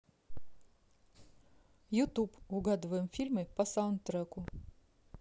youtube угадываем фильмы по саундтреку